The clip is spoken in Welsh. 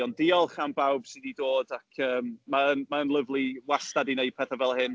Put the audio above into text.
Ond diolch am bawb sy 'di dod, ac yym, mae yn, mae'n lyfli wastad i wneud pethau fel hyn.